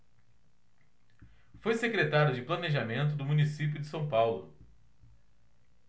foi secretário de planejamento do município de são paulo